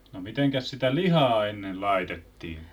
no mitenkäs sitä lihaa ennen laitettiin